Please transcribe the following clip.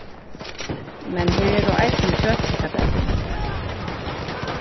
men her eru eisini kjøtfrikadellur